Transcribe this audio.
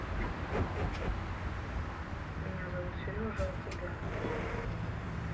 меня зовут сережа а тебя